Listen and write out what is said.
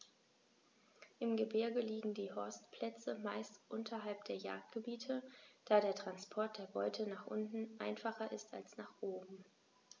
Im Gebirge liegen die Horstplätze meist unterhalb der Jagdgebiete, da der Transport der Beute nach unten einfacher ist als nach oben.